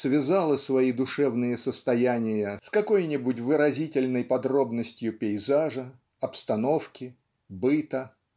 связала свои душевные состояния с какой-нибудь выразительной подробностью пейзажа обстановки быта